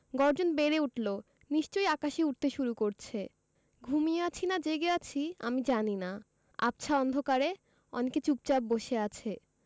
গর্জন বেড়ে উঠলো নিশ্চয়ই আকাশে উড়তে শুরু করছে ঘুমিয়ে আছি না জেগে আছি আমি জানি না আবছা অন্ধকারে অনেকে চুপচাপ বসে আছে